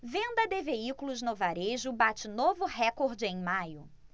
venda de veículos no varejo bate novo recorde em maio